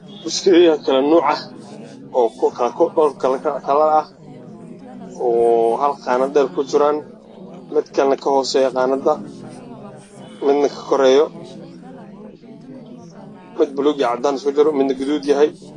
Halkaan waxaa ka muuqdo buskut saaran iskafaalo oo noocyo kala duwan sida mid buluug iyo cadays iskugu jiro iyo mid guduud iyo cadaan ah